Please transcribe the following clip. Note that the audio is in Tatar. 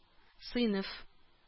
Сыйныф